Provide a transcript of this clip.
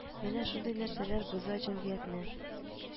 Менә шундый нәрсәләр боза җәмгыятьне